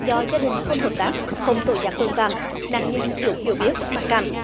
do gia đình không hợp táng không tổ giác tội phạm năng nhưng thiểu hiểu biết mằng càm